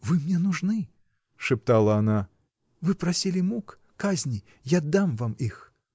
— Вы мне нужны, — шептала она, — вы просили мук, казни — я дам вам их!